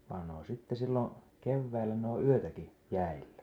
vaan ne on sitten silloin keväällä ne on yötäkin jäillä